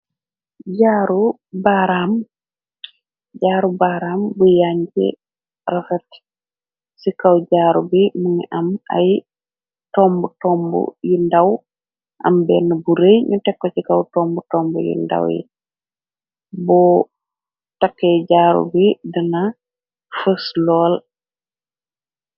jaaru baaraam bu yaañ ci raxat ci kaw jaaru bi mu ngi am ay tomb tomb yu ndàw am bénn bu rëy ñu tekko ci kaw tomb tomb yu ndaw yi bu take jaaru bi dina fës lool